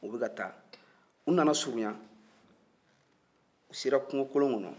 u bɛ ka taa u nana surunya sira kungokolon kɔnɔ